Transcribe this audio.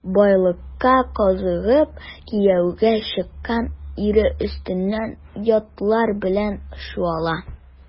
Байлыкка кызыгып кияүгә чыккан, ире өстеннән ятлар белән чуала.